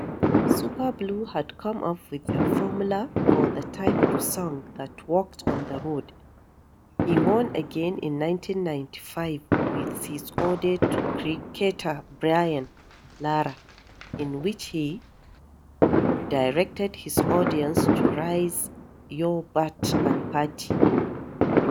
Super Blue had come up with a formula for the type of song that worked on the road: he won again in 1995 with his ode to cricketer Brian Lara, in which he directed his audience to "raise yuh bat and party".